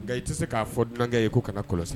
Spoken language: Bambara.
Nka i tɛ se k'a fɔ dunan ye ko ka kɔlɔsi